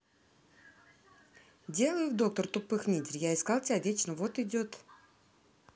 делаю в доктор тупых нидер я искал тебя вечно вот идет